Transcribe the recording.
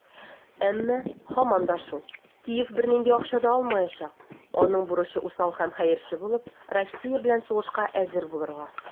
Әмма, һаман да шул, Киев бернинди акча да алмаячак - аның бурычы усал һәм хәерче булып, Россия белән сугышка әзер булырга.